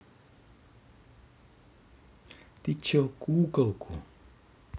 ты че куколку